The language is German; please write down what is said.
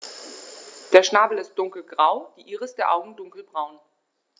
Der Schnabel ist dunkelgrau, die Iris der Augen dunkelbraun.